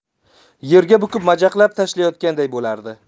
yerga bukib majaqlab tashlayotganday bo'lardi